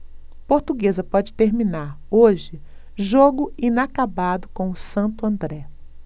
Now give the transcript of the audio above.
portuguesa pode terminar hoje jogo inacabado com o santo andré